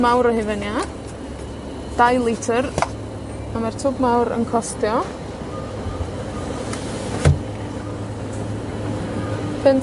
Mawr o hufen iâ, dau lityr, a ma'r twb mawr yn costio punt